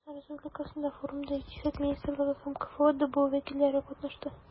Татарстан Республикасыннан форумда Икътисад министрлыгы һәм КФҮ ДБУ вәкилләре катнашты.